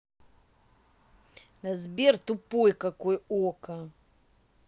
сбер тупой какой okko